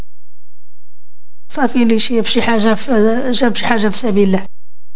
ما فيني شيء في حاجه في حاجه